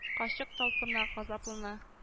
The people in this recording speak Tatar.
Карчык талпына, газаплана